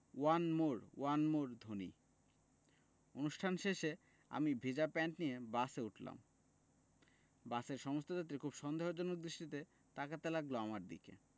one more one more ধ্বনি অনুষ্ঠান শেষে আমি ভিজা প্যান্ট নিয়ে বাসে উঠলাম বাসের সমস্ত যাত্রী খুব সন্দেহজনক দৃষ্টিতে তাকাতে লাগলো আমার দিকে